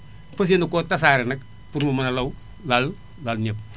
fas yéene koo tasaare nag pour mu mën a law laal laal ñépp